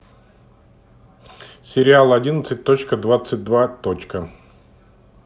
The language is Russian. сериал одиннадцать точка двадцать два точка